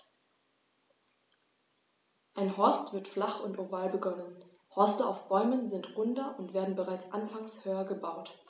Ein Horst wird flach und oval begonnen, Horste auf Bäumen sind runder und werden bereits anfangs höher gebaut.